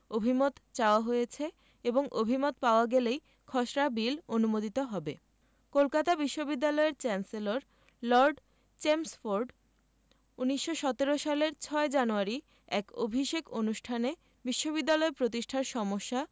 অভিমত চাওয়া হয়েছে এবং অভিমত পাওয়া গেলেই খসড়া বিল অনুমোদিত হবে কলকাতা বিশ্ববিদ্যালয়ের চ্যান্সেলর লর্ড চেমস্ফোর্ড ১৯১৭ সালের ৬ জানুয়ারি এক অভিষেক অনুষ্ঠানে বিশ্ববিদ্যালয় প্রতিষ্ঠার সমস্যা